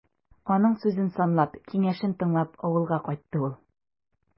Аның сүзен санлап, киңәшен тыңлап, авылга кайтты ул.